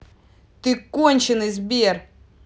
ты конченный сбер